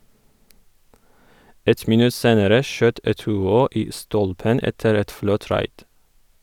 Ett minutt senere skjøt Eto'o i stolpen etter et flott raid.